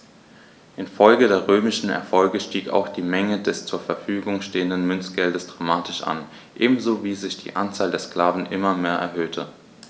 Infolge der römischen Erfolge stieg auch die Menge des zur Verfügung stehenden Münzgeldes dramatisch an, ebenso wie sich die Anzahl der Sklaven immer mehr erhöhte.